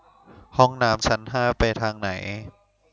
ห้องน้ำชั้นห้าไปทางไหน